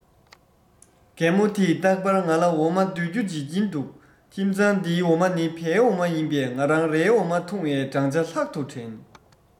རྒན མོ དེས རྟག པར ང ལ འོ མ ལྡུད རྒྱུ རྗེད ཀྱིན འདུག ཁྱིམ ཚང འདིའི འོ མ ནི བའི འོ མ ཡིན པས ངས རའི འོ མ འཐུང བའི བགྲང བྱ ལྷག ཏུ དྲན